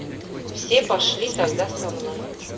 все пошли тогда со мной